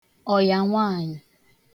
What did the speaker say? ọ̀yà nwaanyị